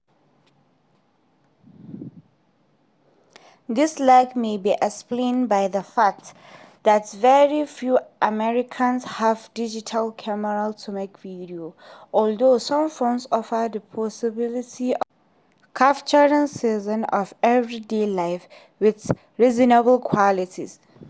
This lack may be explained by the fact that very few Africans have digital cameras to make videos, although some phones offer the possibility of capturing scenes of everyday life with reasonable quality.